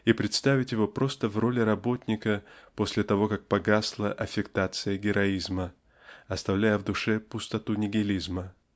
и представить его просто в роли работника после того как погасла аффектация героизма оставляя в душе пустоту нигилизма.